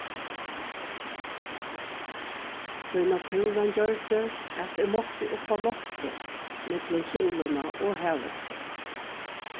tí náttúran gjørdi at eg mátti upp á loftið millum súluna og havhestin